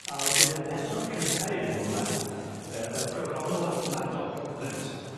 A wedyn y person cynta' i fyw yma yy oedd Gronw ap Madog. Reit.